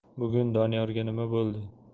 bugun doniyorga nima bo'ldi